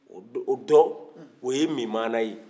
o dɔ o ye mimana ye